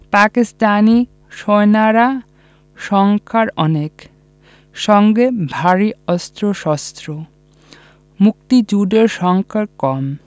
পাকিস্তানি সৈন্যরা সংখ্যায় অনেক সঙ্গে ভারী অস্ত্রশস্ত্র মুক্তিযোদ্ধারা সংখ্যায় কম